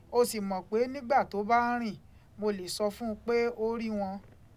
O sì mọ̀ pé nígbà tó bá ń rìn, mo lè sọ fún un pé ó rí wọn.